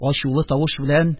Ачулы тавыш белән: